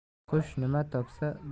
qush nima topsa